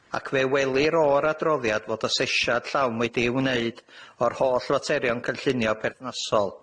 ac fe welir o'r adroddiad fod asesiad llawn wedi ei wneud o'r holl faterion cynllunio perthnasol